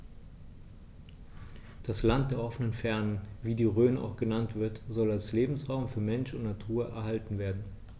Das „Land der offenen Fernen“, wie die Rhön auch genannt wird, soll als Lebensraum für Mensch und Natur erhalten werden.